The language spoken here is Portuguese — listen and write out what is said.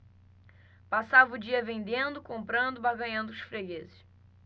passava o dia vendendo comprando barganhando com os fregueses